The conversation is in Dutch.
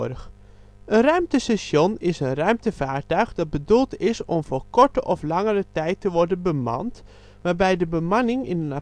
Een ruimtestation is een ruimtevaartuig dat bedoeld is om voor korte of langere tijd te worden bemand, waarbij de bemanning in